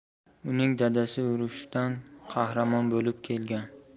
uning dadasi urushdan qahramon bo'lib kelgan